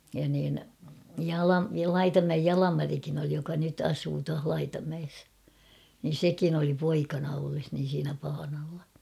ja niin - Laitamäen Jalmarikin oli joka nyt asuu tuossa Laitamäessä niin sekin oli poikana ollessa niin siinä paanalla